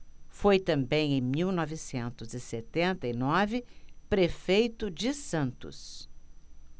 foi também em mil novecentos e setenta e nove prefeito de santos